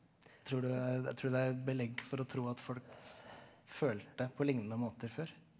tror du tror du det er et belegg for å tro at folk følte på lignende måter før?